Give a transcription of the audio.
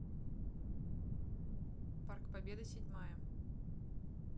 парк победы седьмая